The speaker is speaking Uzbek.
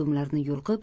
dumlarini yulqib